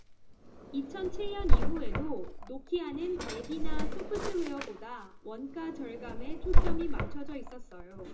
이천 칠 년 이후에도 노키아는 앱이나 소프트웨어보다 원가절감에 초점이 맞춰져 있었어요